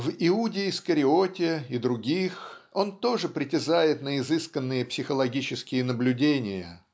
В "Иуде Искариоте и других" он тоже притязает на изысканные психологические наблюдения